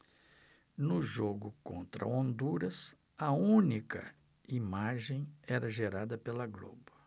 no jogo contra honduras a única imagem era gerada pela globo